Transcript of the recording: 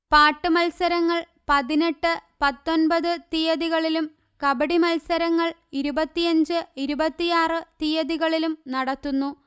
പാട്ട് മത്സരങ്ങൾ പതിനെട്ട് പത്തൊന്പത് തീയതികളിലും കബഡി മത്സരങ്ങൾ ഇരുപത്തിയഞ്ച് ഇരുപത്തിയാറ് തീയതികളിലും നടത്തുന്നു